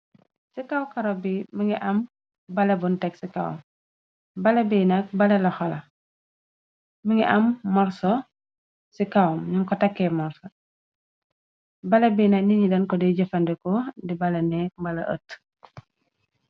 ci kaw-karop bi mi ngi am bale bunteg ci kawm balbnak bale la xola mi ngi am morso ci kawm ñun ko takkee morso bala bi na niñi dan ko di jëfandeko di bala nee mbala ët